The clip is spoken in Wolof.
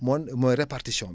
moo mooy répartition bi